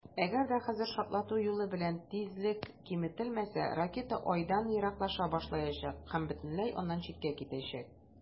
Әгәр дә хәзер шартлату юлы белән тизлек киметелмәсә, ракета Айдан ераклаша башлаячак һәм бөтенләй аннан читкә китәчәк.